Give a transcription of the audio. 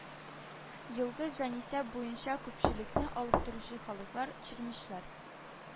Елгы җанисәп буенча күпчелекне алып торучы халыклар: чирмешләр